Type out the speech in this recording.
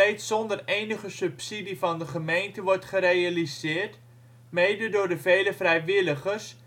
zonder enige subsidie van de gemeente wordt gerealiseerd, mede door de vele vrijwilligers